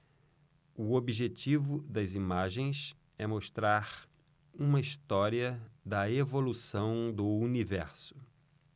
o objetivo das imagens é mostrar uma história da evolução do universo